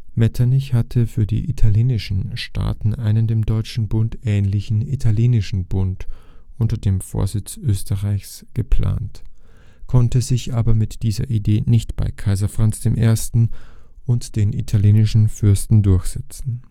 Metternich hatte für die italienischen Staaten einen dem Deutschen Bund ähnlichen italienischen Bund unter dem Vorsitz Österreichs geplant, konnte sich aber mit dieser Idee nicht bei Kaiser Franz I. und den italienischen Fürsten durchsetzen